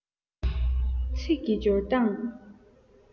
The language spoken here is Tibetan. ཚིག གི སྦྱོར སྟངས